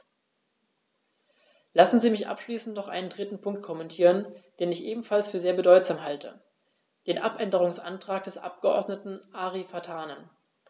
Lassen Sie mich abschließend noch einen dritten Punkt kommentieren, den ich ebenfalls für sehr bedeutsam halte: den Abänderungsantrag des Abgeordneten Ari Vatanen.